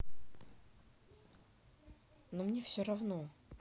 но мне все равно